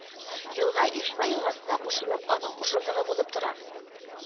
Елга Ижма елгасына кушылып, аның кушылдыгы булып тора